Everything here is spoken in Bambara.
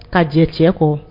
Ka jɛ cɛ kɔ